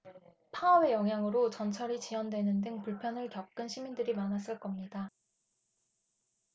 파업의 영향으로 전철이 지연되는 등 불편을 겪은 시민들이 많았을 겁니다